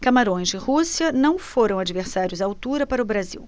camarões e rússia não foram adversários à altura para o brasil